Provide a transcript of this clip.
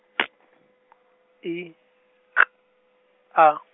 P I K A.